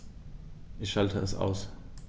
Ich schalte es aus.